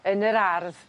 yn yr ardd.